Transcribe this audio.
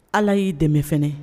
Ala y'i dɛmɛ fana